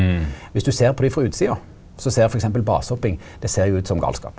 viss du ser på dei frå utsida så ser f.eks. basehopping det ser jo ut som galskap.